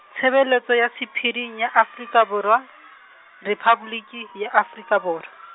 Tshebeletso ya Sephiring ya Afrika Borwa, Rephaboliki ya Afrika Borwa.